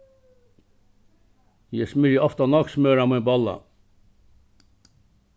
eg smyrji ofta nógv smør á mín bolla